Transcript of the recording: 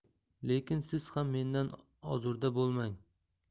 lekin siz ham mendan ozurda bo'lmang